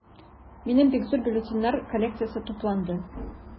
Минем бик зур бюллетеньнәр коллекциясе тупланды.